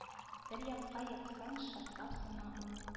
Бер якка ексаң шартлап сына ул